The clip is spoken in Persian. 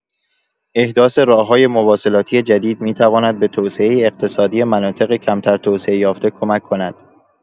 احداث راه‌های مواصلاتی جدید می‌تواند به توسعه اقتصادی مناطق کمتر توسعۀافته کمک کند.